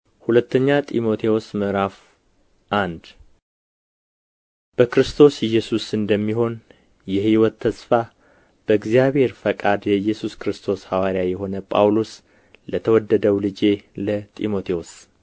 ሁለተኛ ጢሞቴዎስ ምዕራፍ አንድ በክርስቶስ ኢየሱስ እንደሚሆን የሕይወት ተስፋ በእግዚአብሔር ፈቃድ የኢየሱስ ክርስቶስ ሐዋርያ የሆነ ጳውሎስ ለተወደደው ልጄ ለጢሞቴዎስ